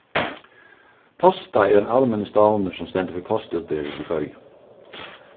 posta er ein almennur stovnur sum stendur fyri postútbering í føroyum